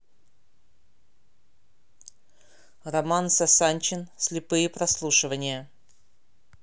роман сасанчин слепые прослушивания